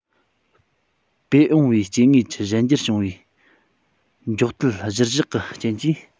སྤོས འོངས པའི སྐྱེ དངོས ཀྱི གཞན འགྱུར བྱུང བའི མགྱོགས དལ གཞིར བཞག གི རྐྱེན གྱིས